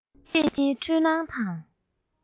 ད བཟོད ཁྱོད ཉིད འཁྲུལ སྣང དང